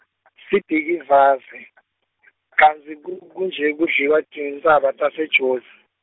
Sibhikivaze, kantsi ku- kunje kudliwa tintsaba taseJozi?